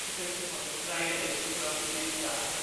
versie van de Vrije encyclopedie staat